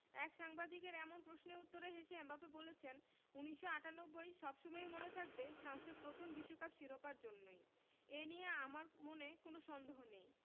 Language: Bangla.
এক সাংবাদিকের এমন প্রশ্নের উত্তরে হেসে এমবাপ্পে বলেছেন ১৯৯৮ সব সময়ই মনে থাকবে ফ্রান্সের প্রথম বিশ্বকাপ শিরোপার জন্যই এ নিয়ে আমার মনে কোনো সন্দেহ নেই